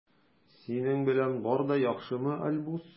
Синең белән бар да яхшымы, Альбус?